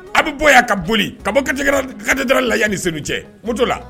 A bɛ bɔya a ka boli ka bɔ kadi la ni sen cɛtuto la